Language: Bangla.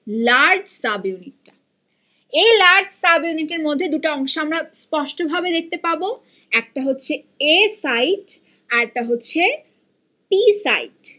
লার্জ সাব ইউনিট টা এই লার্জ সাব ইউনিট এর মধ্যে দুটো অংশ আমরা স্পষ্ট ভাবে দেখতে পাবো একটা হচ্ছে এ সাইট আরেকটা হচ্ছে পি সাইট